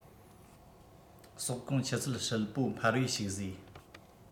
ཟོག གོང ཆུ ཚད ཧྲིལ པོ འཕར བའི ཞིག བཟོས